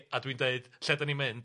...a dwi'n deud, lle 'dan ni'n mynd?